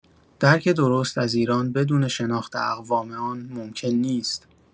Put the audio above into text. درک درست از ایران بدون شناخت اقوام آن ممکن نیست.